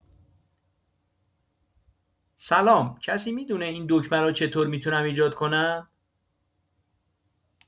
سلام کسی می‌دونه این دکمه رو چطور می‌تونم ایجاد کنم؟